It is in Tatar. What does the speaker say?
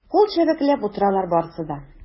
Кул чәбәкләп утыралар барысы да.